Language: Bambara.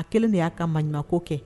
A kelen de y'a ka maɲumanko kɛ